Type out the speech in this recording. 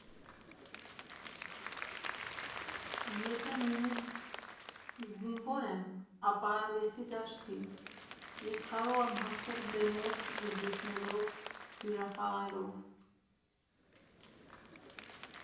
Ու եթե նույնիսկ զինվոր եմ, ապա արվեստի դաշտի, ես կարող եմ հաղթել բեմով, ելույթներով, հյուրախաղերով։